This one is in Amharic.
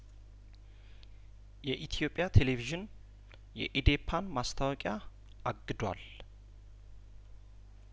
የኢትዮጵያ ቴሌቪዥን የኢዴፓን ማስታወቂያ አግዷል